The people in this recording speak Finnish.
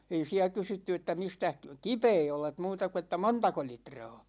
ei siellä kysytty että mistäs kipeä olet muuta kuin että montako litraa